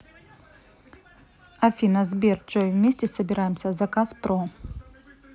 афина сбер джой вместе собираемся заказ про